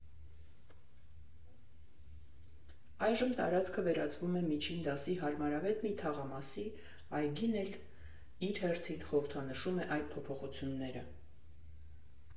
Այժմ տարածքը վերածվում է միջին դասի հարմարավետ մի թաղամասի, այգին էլ իր հերթին խորհրդանշում է այդ փոփոխությունները։